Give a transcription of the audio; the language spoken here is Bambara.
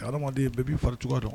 Adamaden ye bɛɛ b'i fara cogoya dɔn